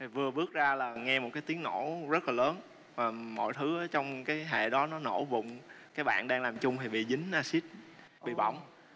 vừa bước ra là nghe một kí tiếng nổ rất là lớn và mọi thứ trong ký hệ đó nó nổ bùm cái bạn đang làm chung thì bị dính a xít bị bỏng